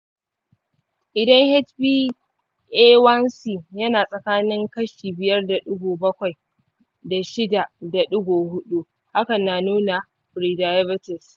idan hba1c yana tsakanin kashi biyar da digo bakwai da shida da digo hudu, hakan na nuna prediabetes.